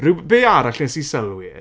Rywbeth arall nes i sylwi.